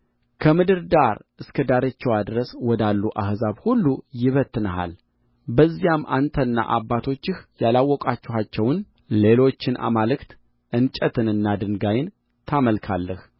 ከምድር ዳር እስከ ዳርቻዋ ድረስ ወዳሉ አሕዛብ ሁሉ ይበትንሃል በዚያም አንተና አባቶችህ ያላወቃችኋቸውን ሌሎችን አማልክት እንጨትንና ድንጋይን ታመልካለህ